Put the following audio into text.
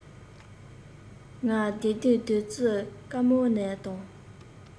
ང བདེ ལྡན བདུད རྩི དཀར མོ ནས དང